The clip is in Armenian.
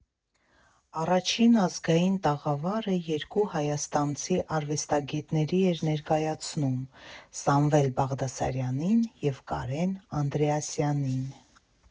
Առաջին ազգային տաղավարը երկու հայաստանցի արվեստագետների էր ներկայացնում՝ Սամվել Բաղդասարյանին և Կարեն Անդրեասյանին։